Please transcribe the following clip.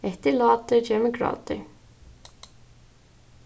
eftir látur kemur grátur